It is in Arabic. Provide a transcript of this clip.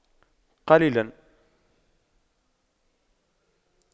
قليلا